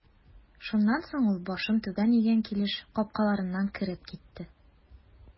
Шуннан соң ул башын түбән игән килеш капкаларыннан кереп китте.